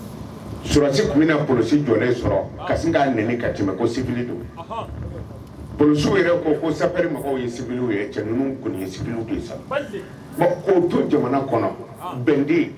Surakasi tun bɛ tɛmɛ ko don p ko sabaribagaw ye cɛ ye' to jamana kɔnɔ bɛn